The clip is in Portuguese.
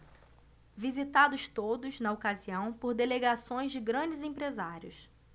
visitados todos na ocasião por delegações de grandes empresários